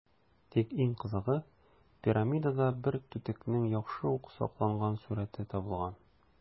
Тик иң кызыгы - пирамидада бер түтекнең яхшы ук сакланган сурəте табылган.